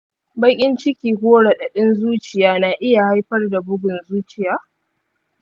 baƙin ciki ko raɗaɗin zuciya na iya haifar da bugun zuciya?